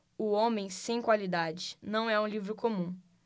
o homem sem qualidades não é um livro comum